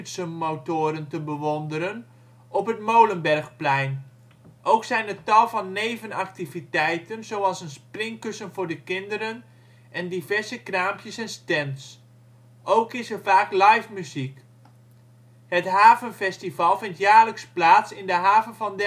te bewonderen op het Molenbergplein. Ook zijn er tal van nevenactiviteiten zoals een springkussen voor de kinderen en diverse kraampjes en stands. Ook is er vaak live muziek. Het Havenfestival vindt jaarlijks plaats in de haven van